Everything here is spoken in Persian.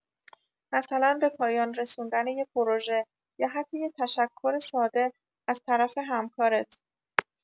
مثلا به پایان رسوندن یه پروژه، یا حتی یه تشکر ساده از طرف همکارت.